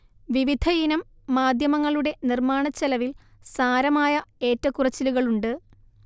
വിവിധയിനം മാധ്യമങ്ങളുടെ നിർമ്മാണച്ചെലവിൽ സാരമായ ഏറ്റക്കുറച്ചിലുകളുണ്ട്